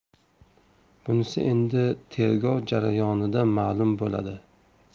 bunisi endi tergov jarayonida ma'lum bo'ladi